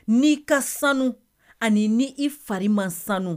Ni ka sanu ani ni i fari ma sanu